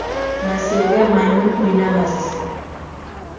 nasiyaga maymun o'ynamas